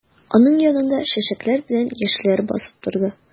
Аның янында чәчәкләр белән яшьләр басып торды.